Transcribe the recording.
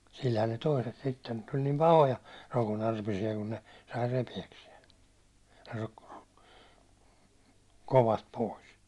sillähän ne toiset sitten tuli niin pahoja rokonarpisia kun ne sai repiäkseen -- kovasti pois